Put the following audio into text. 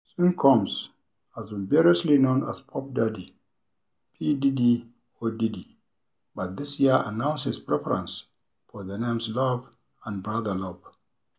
Sean Combs has been variously known as Puff Daddy, P. Diddy or Diddy, but this year announced his preference for the names Love and Brother Love.